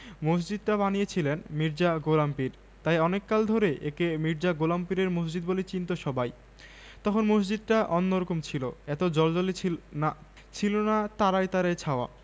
কিন্তু কোন দেবতার কৌতূকহাস্যের মত অপরিমিত চঞ্চলতা নিয়ে আমাদের পাড়ায় ঐ ছোট মেয়েটির জন্ম মা তাকে রেগে বলে দস্যি বাপ তাকে হেসে বলে পাগলি